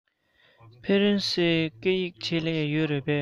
ཧྥ རན སིའི སྐད ཡིག ཆེད ལས ཡོད རེད པས